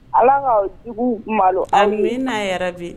Ala ka jugu malo a bɛ naa yɛrɛ bi